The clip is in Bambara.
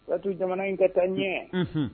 Waatitu jamana in kɛ taa n ɲɛ